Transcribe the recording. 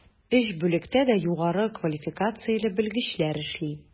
Өч бүлектә дә югары квалификацияле белгечләр эшли.